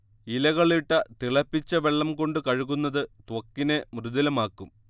ഇലകളിട്ട തിളപ്പിച്ച വെള്ളം കൊണ്ടു കഴുകുന്നത് ത്വക്കിനെ മൃദുലമാക്കും